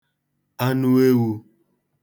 anụ ewū